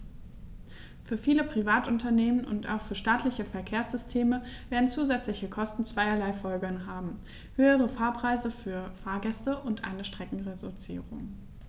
Für viele Privatunternehmen und auch für staatliche Verkehrssysteme werden zusätzliche Kosten zweierlei Folgen haben: höhere Fahrpreise für Fahrgäste und eine Streckenreduzierung.